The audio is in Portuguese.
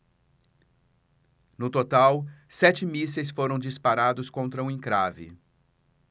no total sete mísseis foram disparados contra o encrave